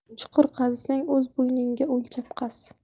chuqur qazisang o'z bo'yingga o'lchab qaz